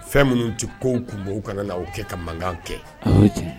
Fɛn minnu ti kow kunbɔ u kana o kɛ ka mankan kɛ o ye tiɲɛ ye